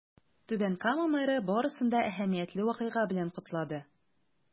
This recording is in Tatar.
Түбән Кама мэры барысын да әһәмиятле вакыйга белән котлады.